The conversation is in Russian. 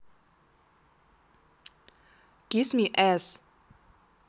kiss me ass